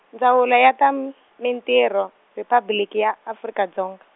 Ndzawulo ya ta M-, Mintirho, Riphabliki ya Afrika Dzonga.